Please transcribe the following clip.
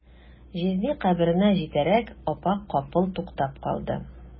Җизни каберенә җитәрәк, апа капыл туктап калды.